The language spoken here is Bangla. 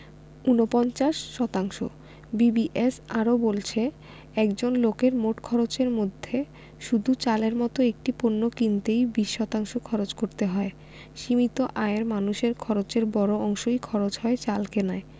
৪৯ শতাংশ বিবিএস আরও বলছে একজন লোকের মোট খরচের মধ্যে শুধু চালের মতো একটি পণ্য কিনতেই ২০ শতাংশ খরচ করতে হয় সীমিত আয়ের মানুষের খরচের বড় অংশই খরচ হয় চাল কেনায়